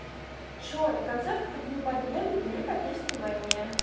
джой концерт к дню победы в великой отечественной войне